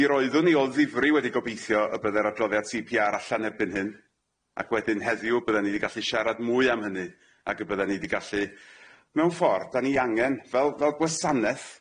Mi roeddwn i o ddifri wedi gobeithio y bydde'r adroddiad See Pee Are allan erbyn hyn ac wedyn heddiw bydden i 'di gallu siarad mwy am hynny ac y bydden i 'di gallu mewn ffor' da'n i angen fel fel gwasaneth,